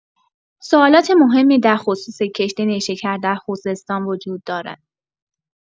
سوالات مهمی درخصوص کشت نیشکر در خوزستان وجود دارد.